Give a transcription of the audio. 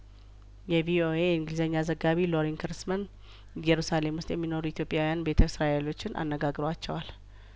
የቪኦኤ የእንግሊዝኛ ዘጋቢ ሎሪን ክርስመን እየሩሳሌም ውስጥ የሚኖሩ ኢትዮጵያዊያን ቤተ እስራኤሎችን አነጋግሯቸዋል